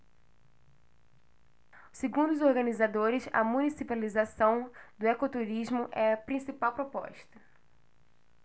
segundo os organizadores a municipalização do ecoturismo é a principal proposta